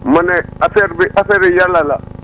ma ne affaire bi affaire bi yàlla